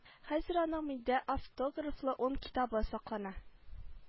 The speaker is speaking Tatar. Хәзер аның миндә автографлы ун китабы саклана